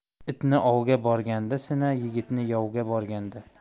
itni ovga borganda sina yigitni yovga borganda